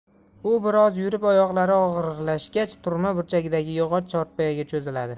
u bir oz yurib oyoqlari og'irlashgach turma burchagidagi yog'och chorpoyaga cho'ziladi